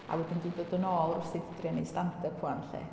A wedyn 'di dod yn ôl rywsut i drio wneud stand-up 'wan 'lly.